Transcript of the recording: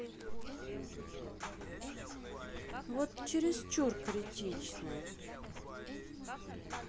вот чересчур критично